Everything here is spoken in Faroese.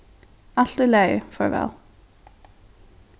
alt í lagi farvæl